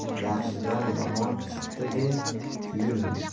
yaxshidan yomon chiqdi deb kuyinma